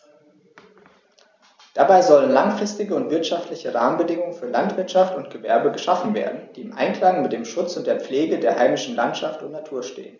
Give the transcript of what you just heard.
Dabei sollen langfristige und wirtschaftliche Rahmenbedingungen für Landwirtschaft und Gewerbe geschaffen werden, die im Einklang mit dem Schutz und der Pflege der heimischen Landschaft und Natur stehen.